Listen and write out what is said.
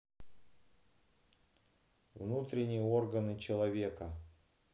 внутренние органы человека